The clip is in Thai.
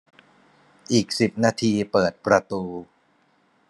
อีกสิบนาทีเปิดประตู